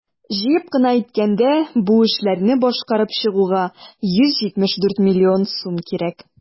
Җыеп кына әйткәндә, бу эшләрне башкарып чыгуга 174 млн сум кирәк.